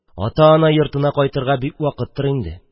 Ата-ана йортына кайтырга бик вакыттыр инде.